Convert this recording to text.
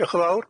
Diolch yn fawr.